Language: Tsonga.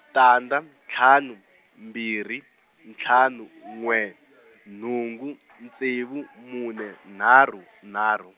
tandza ntlhanu mbirhi ntlhanu n'we nhungu ntsevu mune nharhu nharhu.